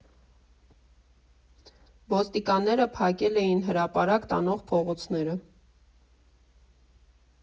Ոստիկանները փակել էին հրապարակ տանող փողոցները։